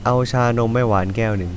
เอาชานมไม่หวานแก้วนึง